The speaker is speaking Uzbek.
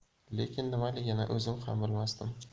lekin nimaligini o'zim ham bilmasdim